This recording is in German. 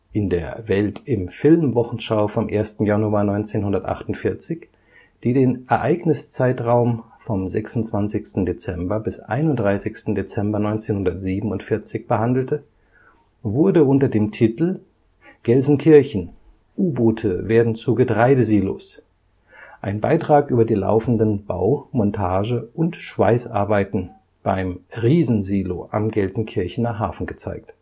In der Welt-im-Film-Wochenschau vom 1. Januar 1948, die den Ereigniszeitraum vom 26. Dezember bis 31. Dezember 1947 behandelte, wurde unter dem Titel Gelsenkirchen: U-Boote werden zu Getreidesilos ein Beitrag über die laufenden Bau -, Montage - und Schweißarbeiten beim „ Riesensilo “am Gelsenkirchener Hafen gezeigt